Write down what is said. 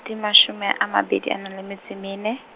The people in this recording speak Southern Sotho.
di mashome a mabedi a nang le metso e mene.